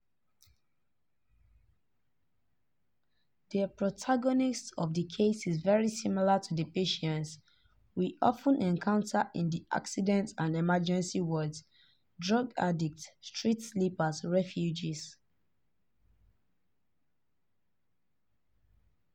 The protagonist of the case is very similar to the patients we often encounter in the accident and emergency wards – drug addicts, street sleepers, refugees.